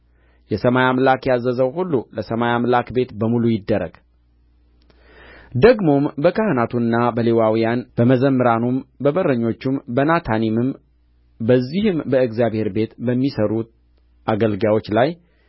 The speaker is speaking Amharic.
የሰማይ አምላክ ያዘዘው ሁሉ ለሰማይ አምላክ ቤት በሙሉ ይደረግ ደግሞም በካህናቱና በሌዋውያን በመዘምራኑም በበረኞቹም በናታኒምም በዚህም በእግዚአብሔር ቤት በሚሠሩ አገልጋዮች ላይ